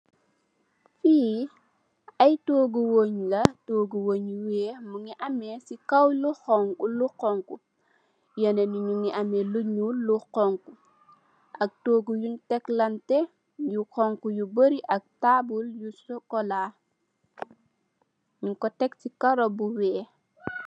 Le ai togu wang la mugi ameh wang yu weyh mugi ameh si kaw lu honha. leneen lemugi ameh lu ñuul lu honko ak tugu yu teklante yu bari ak taabal yu sokola nyu ko tek si karo bu wey.